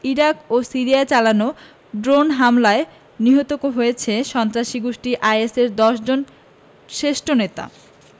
Iraq ও সিরিয়ায় চালানো ড্রোন হামলায় নিহত হয়েছেন সন্ত্রাসী গোষ্ঠী আইএসের ১০ জন শেষ্ঠ নেতা